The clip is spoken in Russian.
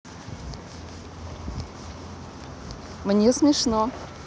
мне смешно